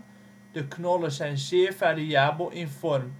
knollen zijn zeer variabel in vorm.